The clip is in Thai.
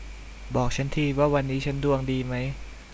บอกฉันทีว่าวันนี้ฉันดวงดีมั้ย